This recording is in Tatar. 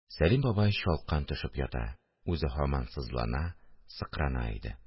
Сәлим бабай чалкан төшеп ята, үзе һаман сызлана, сыкрана иде